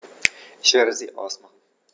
Ich werde sie ausmachen.